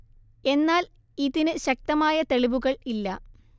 എന്നാൽ ഇതിന് ശക്തമായ തെളിവുകൾ ഇല്ല